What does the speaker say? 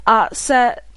a 'se...